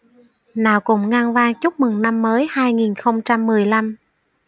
nào cùng ngân vang chúc mừng năm mới hai nghìn không trăm mười lăm